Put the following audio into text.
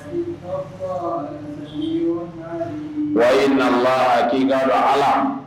Wakala la